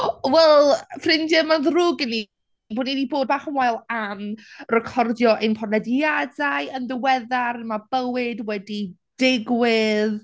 Wel, ffrindiau, mae'n ddrwg gen ni bod ni 'di bod bach yn wael am recordio ein podlediadau yn ddiweddar. Mae bywyd wedi digwydd.